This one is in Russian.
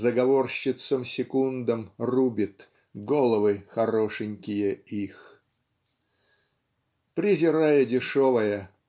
Заговорщицам-секундам рубит Головы хорошенькие их. Презирая дешевое